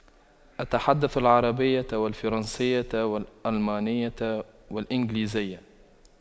أتحدث العربية والفرنسية والألمانية والإنجليزية